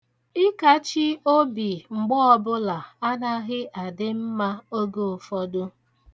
Ịkachị obi mgbe ọbụla anaghị adị mma oge ụfọdụ.